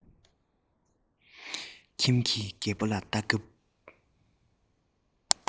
ཁྱིམ གྱི རྒད པོ ལ ལྟ སྐབས